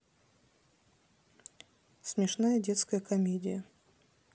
смешная детская комедия